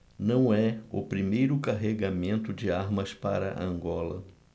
não é o primeiro carregamento de armas para angola